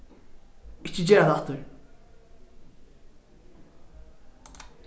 ikki gera tað aftur